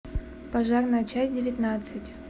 пожарная часть девятнадцать